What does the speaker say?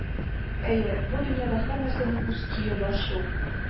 Әйе, бу дөньяда һәр нәрсәнең үз көе бар шул